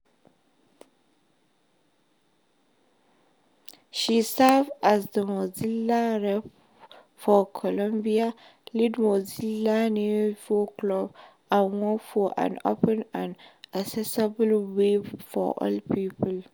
She serves as the Mozilla Rep for Colombia, leads Mozilla Nativo Club and works for an open and accessible web for all people.